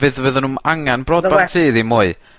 ...fydd fydda nw'm angan broadband tŷ ddim mwy.